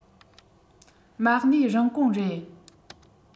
མ གནས རིན གོང རེད